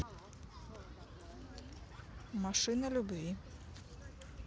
машина любви